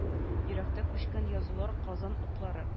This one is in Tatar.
Йөрәккә күчкән язулар казан утлары